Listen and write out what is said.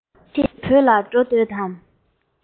ཁྱོད བོད ལ འགྲོ འདོད དམ